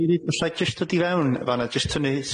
'Llai jyst dod i fewn fan 'na jyst tynnu